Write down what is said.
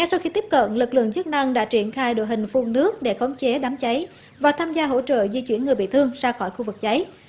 ngay sau khi tiếp cận lực lượng chức năng đã triển khai đội hình phun nước để khống chế đám cháy và tham gia hỗ trợ di chuyển người bị thương ra khỏi khu vực cháy